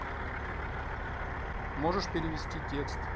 можешь перевести текст